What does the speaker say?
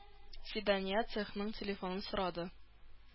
Фидания цехның телефонын сорады.